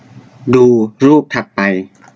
ดูรูปถัดไป